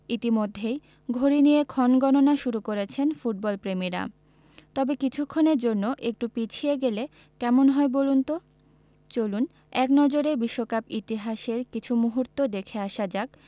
ইতিমধ্যেই ঘড়ি নিয়ে ক্ষণগণনা শুরু করেছেন ফুটবলপ্রেমীরা তবে কিছুক্ষণের জন্য একটু পিছিয়ে গেলে কেমন হয় বলুন তো চলুন এক নজরে বিশ্বকাপ ইতিহাসের কিছু মুহূর্ত দেখে আসা যাক